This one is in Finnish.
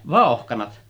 vauhkanat